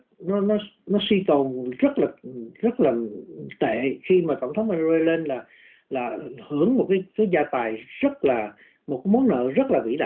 suy tồn sức lực rất là tệ khi mà tổng thống ma đu rô lên là là ảnh hưởng của cái gia tài rất là một món nợ rất là vĩ đại